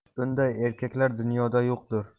bunday erkaklar dunyoda yo'qdir